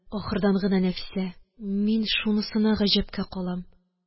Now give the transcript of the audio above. Ахырдан гына Нәфисә: – Мин шунысына гаҗәпкә калам: